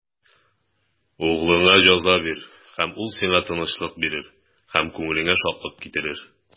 Углыңа җәза бир, һәм ул сиңа тынычлык бирер, һәм күңелеңә шатлык китерер.